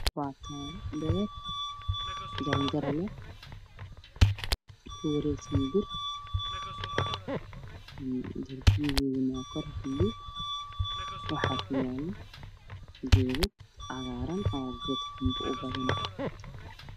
waa qul dheer jaraan